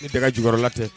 Tɛgɛ jukɔrɔ la tɛ